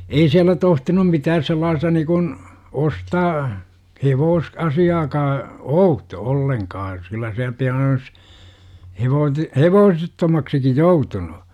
ei siellä tohtinut mitään sellaista niin kuin ostaa - hevosasiaakaan outo ollenkaan kyllä siellä pian olisi - hevosettomaksikin joutunut